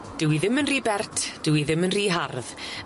Dyw 'i ddim yn ry bert, dyw 'i ddim yn rhy hardd.